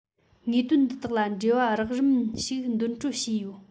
དངོས དོན འདི དག ལ འགྲེལ བ རགས རིམ ཞིག འདོན སྤྲོད བྱས ཡོད